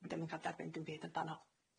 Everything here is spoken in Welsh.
Ma' dim yn ca'l ddarbyn dim byd am dano.